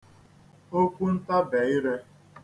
okwuntabèire